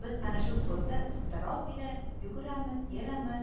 biz ana shu sozda iztirob ila yugurib yelamiz